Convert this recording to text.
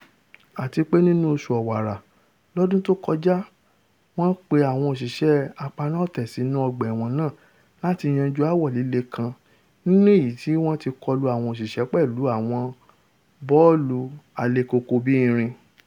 Àtipé nínú oṣù Ọ̀wàrà lọ́dún tó kọjá wọ́n pé àwọn òṣìṣẹ́ apaná-ọ̀tẹ̀ sínú ọgbà-ẹ̀wọ̀n náà láti yanjú aáwọ̀ líle kan nínú èyití wọ́n ti kọlu àwọn òṣìsẹ́ pẹ̀lú àwọn bọ́ọ̀lù alekoko-bí-irin.